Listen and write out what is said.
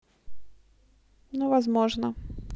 ну возможно